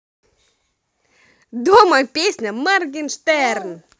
дома песня morgenshtern